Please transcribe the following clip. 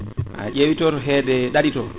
a ƴeewi to tohede ɗaɗi ɗo